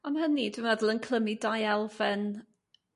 A ma' hynny dwi meddwl yn clymu dau elfen